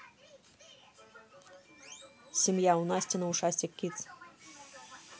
семья у насти на ушастик kids